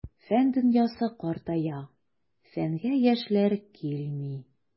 Фән дөньясы картая, фәнгә яшьләр килми.